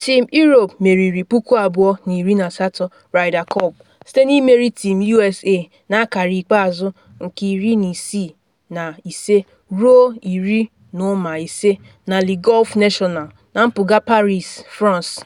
Team Europe meriri 2018 Ryder Cup site na imeri Team USA na akara ikpeazụ nke 16:5 ruo 10.5 na Le Golf National na mpuga Paris, France.